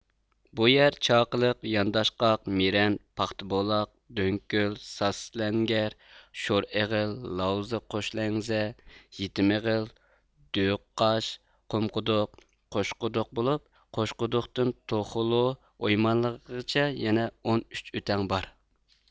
بۇ يەر چاقىلىق يانداشقاق مىرەن پاختابۇلاق دۆڭكۆل ساسلەنگەر شورئېغىل لاۋزا قوشلەڭزە يېتىم ئېغىل دۆقاش قۇمقۇدۇق قوشقۇدۇق بولۇپ قوشقۇدۇقتىن توخولۇ ئويمانلىغىغىچە يەنە ئون ئۈچ ئۆتەڭ بار